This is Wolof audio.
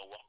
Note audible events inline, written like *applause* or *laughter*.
*hesitation* *hesitation*